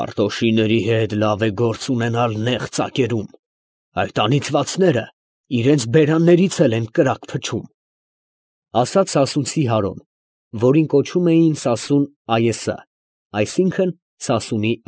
Հարտոշիների հետ լավ է գործ ունենալ նեղ ծակերում. այդ անիծվածները իրանը բերաններից էլ են կրակ փչում, ֊ ասաց սասունցի Հարոն, որին կոչում էին Սասուն Այըսը, այսինքն՝ սասունի։